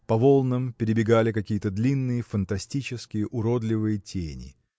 По волнам перебегали какие-то длинные фантастические уродливые тени.